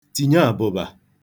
Tinye abụba.